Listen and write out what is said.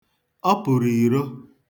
Ọ pụrụ iro.